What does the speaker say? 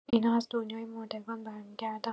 اینا از دنیای مردگان برمی‌گردن